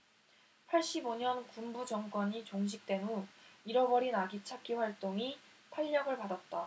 팔십 오 년 군부 정권이 종식된 후 잃어버린 아기 찾기 활동이 탄력을 받았다